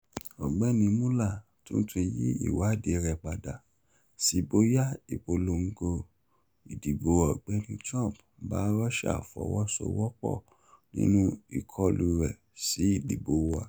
Ọ̀gbẹ́ni Mueller tún ti yí ìwádìí rẹ̀ padà sí bóyá Ìpolongo ìdìbò Ọ̀gbẹ́ni Trump bá Russia fọwọ́ sowọ́ pọ̀ nínú ìkọlù rẹ̀ sí ìdìbò wa.